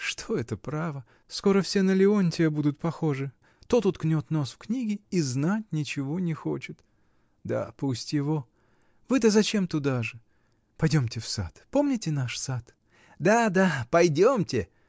Что это, право, скоро все на Леонтья будут похожи: тот уткнет нос в книги и знать ничего не хочет. Да пусть его! Вы-то зачем туда же?. Пойдемте в сад. Помните наш сад?. — Да, да, пойдемте!